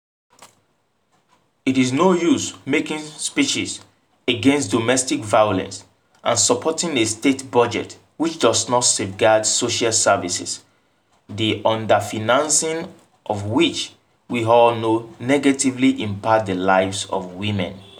It is no use making speeches against domestic violence and supporting a state budget which does not safeguard social services, the underfinancing of which we all know negatively impacts the lives of women.